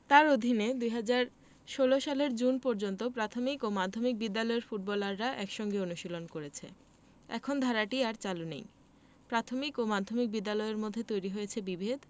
তাঁর অধীনে ২০১৬ সালের জুন পর্যন্ত প্রাথমিক ও মাধ্যমিক বিদ্যালয়ের ফুটবলাররা একসঙ্গে অনুশীলন করেছে এখন ধারাটি আর চালু নেই প্রাথমিক ও মাধ্যমিক বিদ্যালয়ের মধ্যে তৈরি হয়েছে বিভেদ